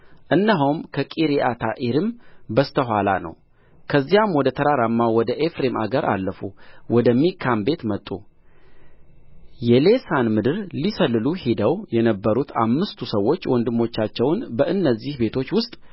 እነሆም ከቂርያትይዓሪም በስተ ኋላ ነው ከዚያም ወደ ተራራማው ወደ ኤፍሬም አገር አለፉ ወደ ሚካም ቤት መጡ የሌሳን ምድር ሊሰልሉ ሄደው የነበሩት አምስቱ ሰዎችም ወንድሞቻቸውን በእነዚህ ቤቶች ውስጥ